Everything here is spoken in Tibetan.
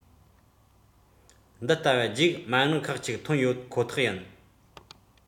འདི ལྟ བུའི རྒྱུག མ དངུལ ཁག གཅིག ཐོན ཡོད ཁོ ཐག ཡིན